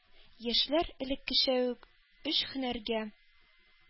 Яшьләр элеккечә үк өч һөнәргә